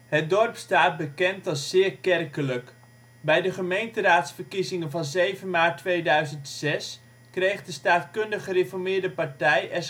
Het dorp staat nog bekend als zeer kerkelijk. Bij de gemeenteraadsverkiezingen van 7 maart 2006 kreeg de Staatkundig Gereformeerde Partij (SGP) 63,2 %